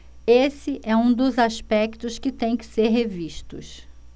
esse é um dos aspectos que têm que ser revistos